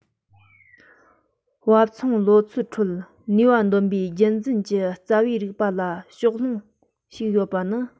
བབ མཚུངས ལོ ཚོད ཁྲོད ནུས པ འདོན པའི རྒྱུད འཛིན གྱི རྩ བའི རིགས པ ལ ཕྱོགས ལྷུང ཞིག ཡོད པ ནི